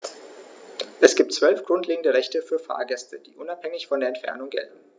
Es gibt 12 grundlegende Rechte für Fahrgäste, die unabhängig von der Entfernung gelten.